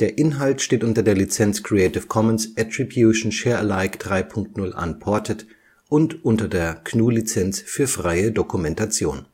Inhalt steht unter der Lizenz Creative Commons Attribution Share Alike 3 Punkt 0 Unported und unter der GNU Lizenz für freie Dokumentation